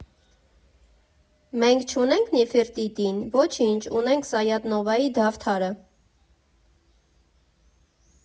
Մենք չունենք Նիֆերտիտիի՞ն, ոչինչ, ունենք Սայաթ֊Նովայի «Դավթարը»։